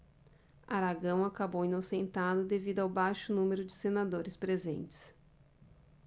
aragão acabou inocentado devido ao baixo número de senadores presentes